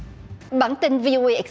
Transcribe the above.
bản tin vi ô ây ịch